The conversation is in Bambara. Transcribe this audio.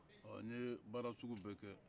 ɔ n ye baara sugu bɛɛ kɛ